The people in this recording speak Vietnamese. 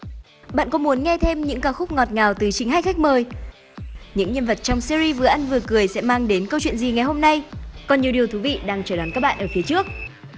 bạn có muốn nghe thêm những ca khúc ngọt ngào từ chính hai khách mời những nhân vật trong se ri vừa ăn vừa cười sẽ mang đến câu chuyện gì ngày hôm nay còn nhiều điều thú vị đang chờ đón các bạn ở phía trước